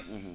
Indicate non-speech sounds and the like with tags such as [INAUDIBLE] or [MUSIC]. [HESITATION] [HESITATION]